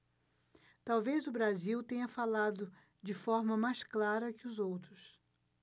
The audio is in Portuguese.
talvez o brasil tenha falado de forma mais clara que os outros